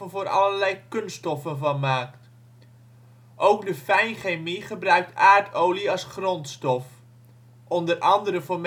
voor allerlei kunststoffen van maakt. Ook de fijnchemie gebruikt aardolie als grondstof, onder andere voor